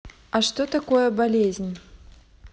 а что такое болезнь